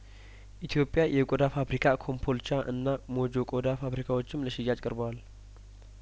ኢትዮጵያየ ቆዳ ፋብሪካ ኮምፖልቻ እና ሞጆ ቆዳ ፋብሪካዎችም ለሽያጭ ቀርበዋል